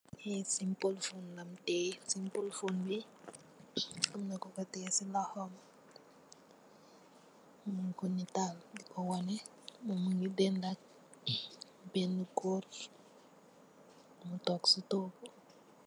Lii simpul fuun lam tiye, simpul fuun bi, am na kuko tiye si loxom. Mung ko nitaal, di ko wane, mom mu ngi deendoog béénë góor, mom mu toog si toogu bi.